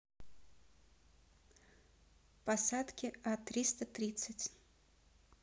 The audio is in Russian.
посадки а триста тридцать